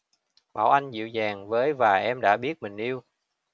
bảo anh dịu dàng với và em đã biết mình yêu